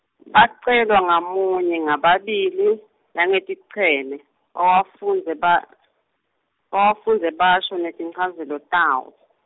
Bacelwe ngamunye, ngababili, nangeticheme bawafundze ba-, bawafundze basho netinchazelo tawo.